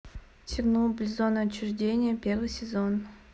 чернобыль зона отчуждения первый сезон